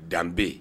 Danbe